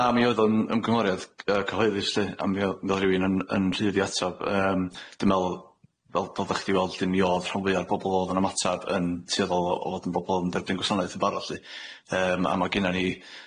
Na mi oedd o'n ymgynghoriad cyhoeddus lly a mi o'dd fel rhywun yn yn rhydd i atab yym dwi'n me'wl fel do'ddach chdi weld lly mi o'dd rhan fwya'r bobol o'dd yn ymatab yn tueddol o o fod yn bobol yn derbyn gwasanaeth yn barod lly yym a ma' genna ni